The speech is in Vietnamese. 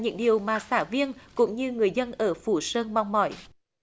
những điều mà xã viên cũng như người dân ở phủ sơn mong mỏi